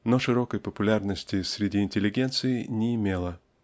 но широкой популярности среди интеллигенции не имело.